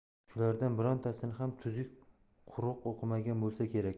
shulardan birontasini ham tuzuk quruq o'qimagan bo'lsa kerak